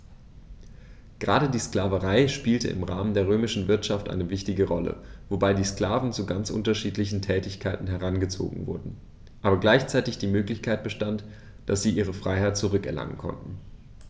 Gerade die Sklaverei spielte im Rahmen der römischen Wirtschaft eine wichtige Rolle, wobei die Sklaven zu ganz unterschiedlichen Tätigkeiten herangezogen wurden, aber gleichzeitig die Möglichkeit bestand, dass sie ihre Freiheit zurück erlangen konnten.